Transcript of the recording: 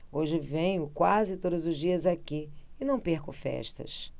hoje venho quase todos os dias aqui e não perco festas